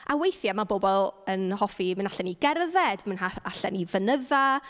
A weithiau ma' bobl yn hoffi mynd allan i gerdded, mynd ha- allan i fynydda.